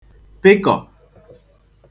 pịkọ̀